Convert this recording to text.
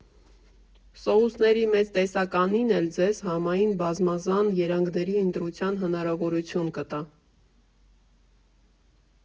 Սոուսների մեծ տեսականին էլ ձեզ համային բազմազան երանգների ընտրության հնարավորություն կտա։